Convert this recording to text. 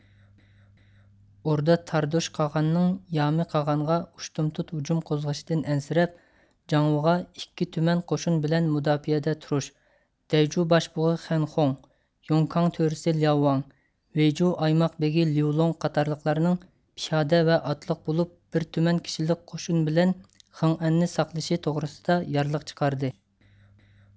ئوردا تاردۇش قاغاننىڭ يامى قاغانغا ئۇشتۇمتۇت ھۇجۇم قوزغىشىدىن ئەنسىرەپ جاڭۋغا ئىككى تۈمەن قوشۇن بىلەن مۇداپىئەدە تۇرۇش دەيجۇ باشبۇغى خەنخوڭ يوڭكاڭ تۆرىسى لىياۋۋاڭ ۋېيجۇۋ ئايماق بېگى ليۇلوڭ قاتارلىقلارنىڭ پىيادە ۋە ئاتلىق بولۇپ بىر تۈمەن كىشىلىك قوشۇن بىلەن خېڭئەننى ساقلىشى توغرىسىدا يارلىق چىقاردى